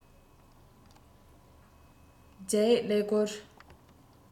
རྒྱ ཡིག ཀླད ཀོར